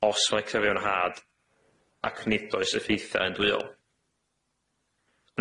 os mae cyfiawnhad ac nid oes effeithiau yndwyol.